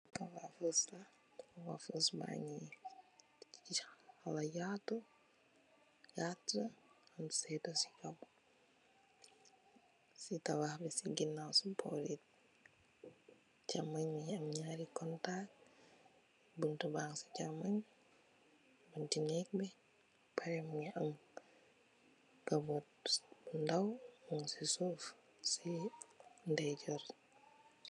Kawaafos la, kawaafos baa ngi dijja, xawa yaatu, gattë am séétu si kow. Si tabax bi si ganaaw, chaamoy mu ngi am ñarri kontaac, bunta baañgi sa chamooy, bunti neek bi, ñu ngi am kobbot, bu ndaw, muñg si suuf, si ndeyjoor.